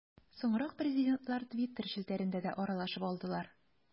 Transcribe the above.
Соңрак президентлар Twitter челтәрендә дә аралашып алдылар.